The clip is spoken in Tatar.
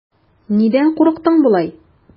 Нидән курыктың болай?